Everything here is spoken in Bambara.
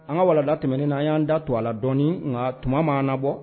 An ka walana tɛmɛnen in na an y'an da tu a la dɔɔnin nka tuma ma an la.